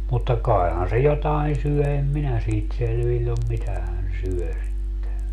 mutta kaihan se jotakin syö en minä siitä selvillä ole mitä hän syö sitten